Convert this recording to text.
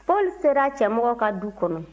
paul sera cɛmɔgɔ ka du kɔnɔ